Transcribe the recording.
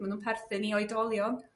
ma' nhwn perthyn i oedolion?